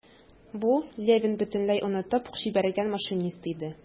Бу - Левин бөтенләй онытып ук җибәргән машинист иде.